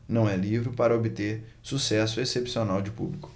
não é livro para obter sucesso excepcional de público